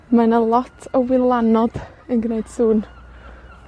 Ma' 'na lot o wylanod yn gwneud sŵn.